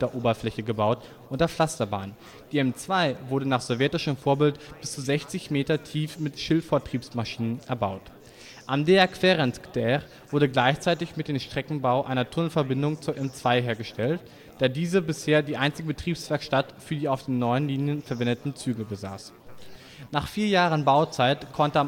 Oberfläche gebaut („ Unterpflasterbahn “), die M2 wurde nach sowjetischem Vorbild bis zu sechzig Meter tief mit Schildvortriebsmaschinen erbaut. Am Deák Ferenc tér wurde gleichzeitig mit dem Streckenbau eine Tunnelverbindung zur M2 hergestellt, da diese bisher die einzige Betriebswerkstatt für die auf den neuen Linien verwendeten Züge besaß. Nach vier Jahren Bauzeit konnte